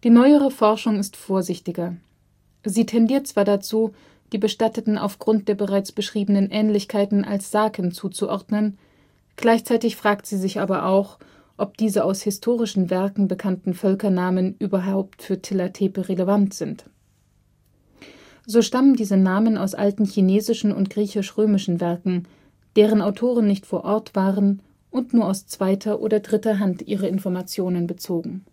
neuere Forschung ist vorsichtiger. Sie tendiert zwar dazu die Bestatteten aufgrund der bereits beschriebenen Ähnlichkeiten als Saken zuzuordnen, gleichzeitig fragt sie sich aber auch, ob diese aus historischen Werken bekannten Völkernamen überhaupt für Tilla Tepe relevant sind. So stammen diese Namen aus alten chinesischen und griechisch-römischen Werken, deren Autoren nicht vor Ort waren und nur aus zweiter oder dritter Hand ihre Informationen bezogen